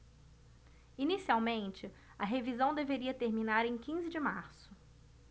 inicialmente a revisão deveria terminar em quinze de março